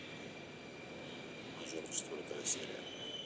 мажор четвертая серия